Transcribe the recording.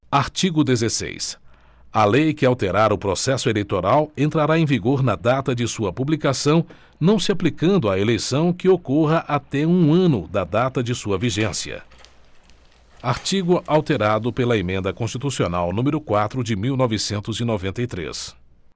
artigo dezesseis a lei que alterar o processo eleitoral entrará em vigor na data de sua publicação não se aplicando à eleição que ocorra até um ano da data de sua vigência artigo alterado pela emenda constitucional número quatro de mil novecentos e noventa e três